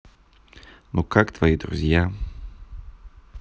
ну как твои друзья